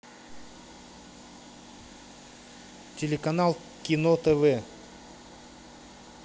телеканал кино тв